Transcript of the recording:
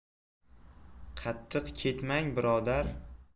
qattiq ketmang birodar